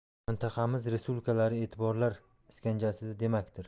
mintaqamiz respublikalari e'tiborlar iskanjasida demakdir